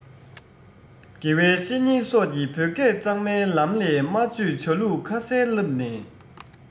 དགེ བའི བཤེས གཉེན སོགས ཀྱི བོད སྐད གཙང མའི ལམ ལས སྨྲ བརྗོད བྱ ལུགས ཁ གསལ བསླབ ནས